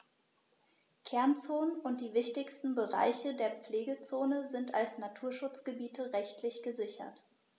Kernzonen und die wichtigsten Bereiche der Pflegezone sind als Naturschutzgebiete rechtlich gesichert.